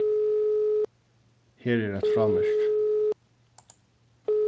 her er eitt frámerki